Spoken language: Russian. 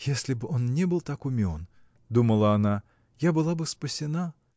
Если б он не был так умен, – думала она, – я была бы спасена.